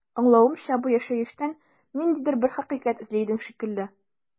Аңлавымча, бу яшәештән ниндидер бер хакыйкать эзли идең шикелле.